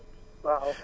waaw